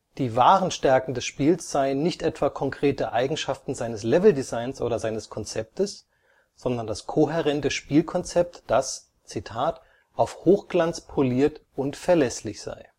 Die wahre Stärken des Spiels seien nicht etwa konkrete Eigenschaften seines Leveldesigns oder seines Konzeptes, sondern das kohärente Spielkonzept, das „ auf Hochglanz poliert und verlässlich “(„ polished, reliable framework “) sei